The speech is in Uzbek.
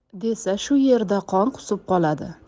desa shu yerda qon qusib qoladi